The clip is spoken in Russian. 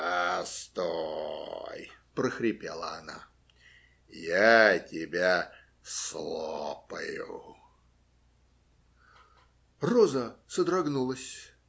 - Постой, - прохрипела она, - я тебя слопаю! Роза содрогнулась.